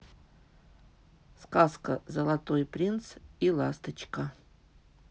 сказка золотой принц и ласточка